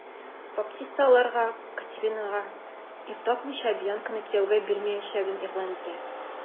Баптиста аларга, Катаринага ир тапмыйча, Бьянканы кияүгә бирмәячәген игълан итә.